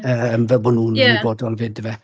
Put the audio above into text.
Yym fel bod nhw'n... ie. ...ymwybodol 'fyd ife.